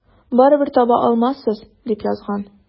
Барыбер таба алмассыз, дип язган.